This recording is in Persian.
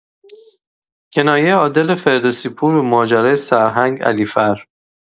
کنایه عادل فردوسی پور به ماجرای سرهنگ علیفر